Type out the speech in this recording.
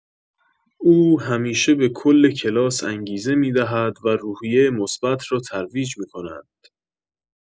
او همیشه به‌کل کلاس انگیزه می‌دهد و روحیه مثبت را ترویج می‌کند.